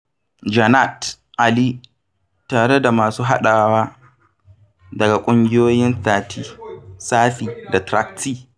Jannat Ali tare da masu haɗawa daga ƙungiyoyin Sathi da Tract-T.